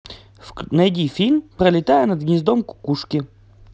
найди фильм пролетая над гнездом кукушки